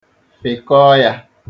Fịkọọ ya!